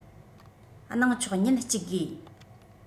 གནང ཆོག ཉིན ༡ དགོས